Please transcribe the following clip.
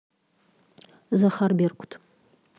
захар беркут